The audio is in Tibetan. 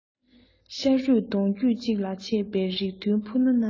ཤ རུས གདོང རྒྱུད གཅིག ལས ཆད པའི རིགས མཐུན ཕུ ནུ རྣམས པ